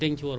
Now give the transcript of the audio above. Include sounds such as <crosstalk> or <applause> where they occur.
<hesitation> <hesitation>